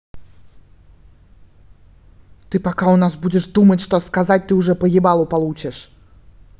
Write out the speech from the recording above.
ты пока у нас будешь думать что сказать то уже по ебалу получишь